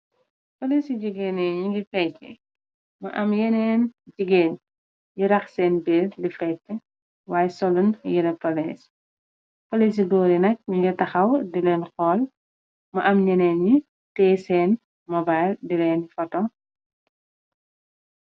Polisi jigeen yi ñu ngi fecci mu am yenen jigeen yu rax sèèn biir di fecci way solung yirèh polis. Polis yu gór yi nak ñu ngi taxaw dilen xool. Mu am ñenen ñi teyeh sèèn mobile dilen fotoh.